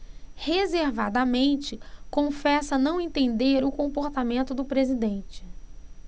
reservadamente confessa não entender o comportamento do presidente